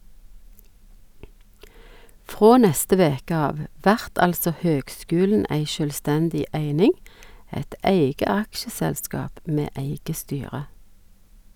Frå neste veke av vert altså høgskulen ei sjølvstendig eining, eit eige aksjeselskap med eige styre.